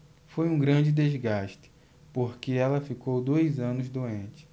foi um grande desgaste porque ela ficou dois anos doente